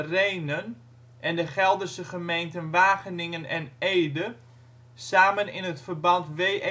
Rhenen en de Gelderse gemeenten Wageningen en Ede samen in het verband WERV